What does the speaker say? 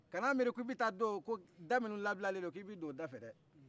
kana a miri ko da nimu lablalen do k'i bɛ don o da fɛ dɛhh